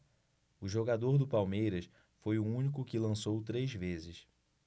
o jogador do palmeiras foi o único que lançou três vezes